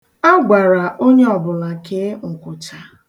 A gwara onye ọbụla kee nkwụcha.